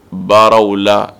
Baara o la